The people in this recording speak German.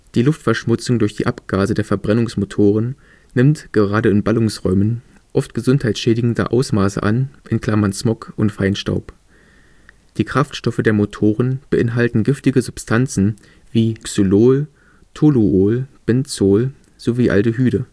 Die Luftverschmutzung durch die Abgase der Verbrennungsmotoren nimmt, gerade in Ballungsräumen, oft gesundheitsschädigende Ausmaße an (Smog, Feinstaub). Die Kraftstoffe der Motoren beinhalten giftige Substanzen wie Xylol, Toluol, Benzol sowie Aldehyde